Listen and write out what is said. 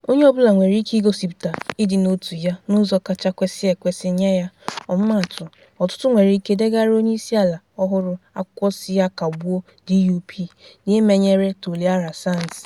Onye ọbụla nwere ike igosipụta ịdị n'otu ya n'ụzọ kacha kwesị ekwesị nye ya - ọmụmaatụ, ọtụtụ nwere ike degara onyeisiala ọhụrụ akwụkwọ sị ya kagbuo DUP n'imenyere Toliara Sands.